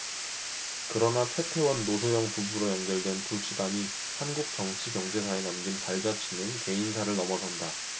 그러나 최태원 노소영 부부로 연결된 두 집안이 한국 정치 경제사에 남긴 발자취는 개인사를 넘어선다